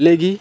léegi